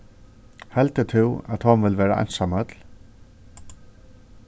heldur tú at hon vil vera einsamøll